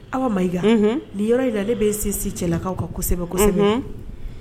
Aw ma i ni yɔrɔ in la ale bɛ sin si cɛlakaw ka kosɛbɛ kosɛbɛ